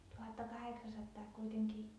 tuhatkahdeksansataa kuitenkin